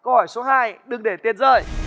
câu hỏi số hai đừng để tiền rơi